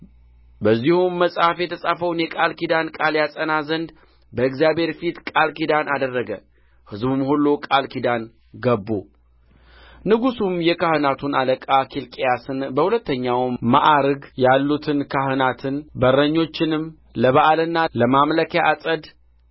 በዚሁም መጽሐፍ የተጻፈውን የቃል ኪዳን ቃል ያጸና ዘንድ በእግዚአብሔር ፊት ቃል ኪዳን አደረገ ሕዝቡም ሁሉ ቃል ኪዳን ገቡ ንጉሡም የካህናቱን አለቃ ኬልቅያስን በሁለተኛውም መዓርግ ያሉትን ካህናትን በረኞቹንም ለባኣልና ለማምለኪያ ዐፀድ